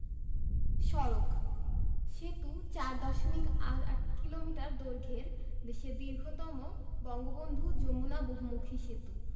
সড়কঃ সেতু ৪দশমিক ৮ কিলোমিটার দৈর্ঘ্যের দেশের দীর্ঘতম বঙ্গবন্ধু যমুনা বহুমুখী সেতু